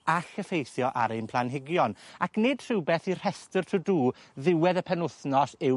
all effeithio ar ein planhigion ac nid rhwbeth i'r rhestyr to do ddiwedd y penwthnos yw